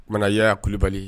O tuma Yaya Kulibali